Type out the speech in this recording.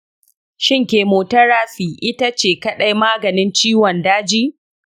shin chemotherapy ita ce kaɗai maganin ciwon daji?